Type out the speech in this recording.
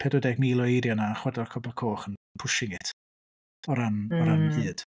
Pedwar deg mil o eiriau yna y Chwedlau'r Copa Coch 'na yn pushing it timod o ran... mm. ...o ran hyd.